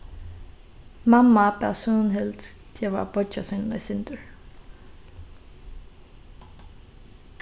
mamma bað súnhild geva beiggja sínum eitt sindur